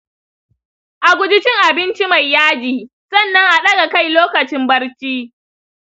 a guji cin abinci mai yaji, sannan a ɗaga kai lokacin barci.